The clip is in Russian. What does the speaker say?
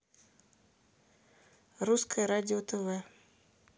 русское радио тв